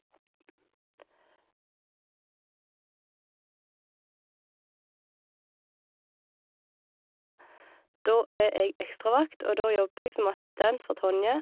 Da er jeg ekstravakt, og da jobber jeg som assistent for Tonje.